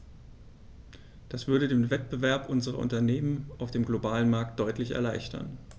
Das würde den Wettbewerb unserer Unternehmen auf dem globalen Markt deutlich erleichtern.